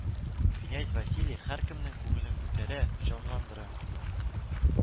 Князь Василий һәркемнең күңелен күтәрә, җанландыра